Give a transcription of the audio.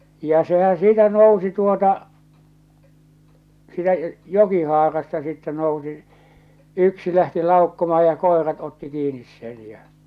ja sehän siitä nousi tuota siitä jokihaarasta sitten nousi yksi lähti laukkaamaan ja koirat otti kiinni sen ja